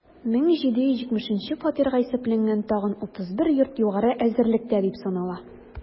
1770 фатирга исәпләнгән тагын 31 йорт югары әзерлектә дип санала.